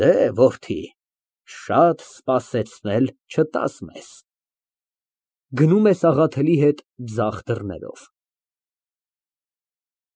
Դե, որդի, շատ սպասեցնել չտաս մեզ։ (Գնում է Սաղաթելի հետ ձախ դռնով)։